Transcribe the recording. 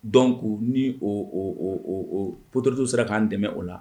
Dɔn ko ni poororso sera k'an dɛmɛ o la